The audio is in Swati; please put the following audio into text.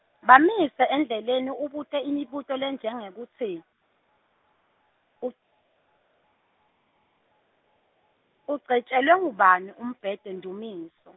Bamise endleleni ubute imibuto le njengekutsi, u-, Ugcetjelwa ngubani umbhedze Ndumiso?